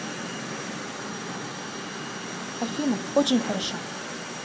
афина очень хорошо